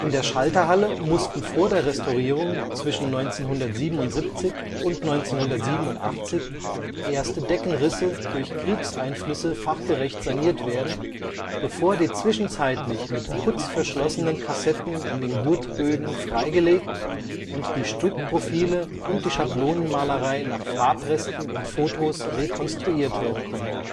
der Schalterhalle mussten vor der Restaurierung zwischen 1977 und 1987 erst Deckenrisse durch Kriegseinflüsse fachgerecht saniert werden, bevor die zwischenzeitlich mit Putz verschlossenen Kassetten in den Gurtbögen freigelegt und die Stuckprofile und die Schablonenmalerei nach Farbresten und Fotos rekonstruiert werden konnten